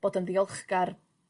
bod yn ddiolchgar